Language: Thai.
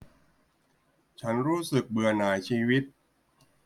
ฉันรู้สึกเบื่อหน่ายชีวิต